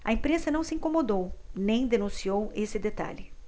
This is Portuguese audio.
a imprensa não se incomodou nem denunciou esse detalhe